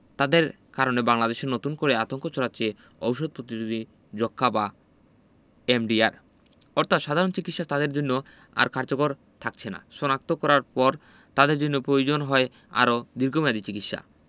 তাদের কারণে বাংলাদেশে নতুন করে আতঙ্ক ছড়াচ্ছে ঔষধ পতিরুধী যক্ষ্মা বা এমডিআর অর্থাৎ সাধারণ চিকিৎসা তাদের জন্য আর কার্যকর থাকছেনা শনাক্ত করার পর তাদের জন্য পয়োজন হয় আরও দীর্ঘমেয়াদি চিকিৎসা